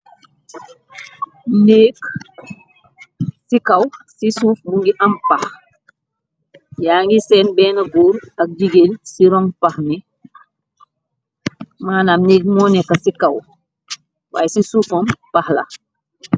Néek ci kaw, ci suuf mu ngi am pax, ya ngi seen benna góor ak jigeen ci rong pax mi, manam néek mo neka ci kaw, waaye ci suufam pax la.